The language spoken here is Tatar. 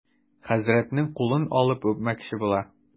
Хәзрәтнең кулын алып үпмәкче була.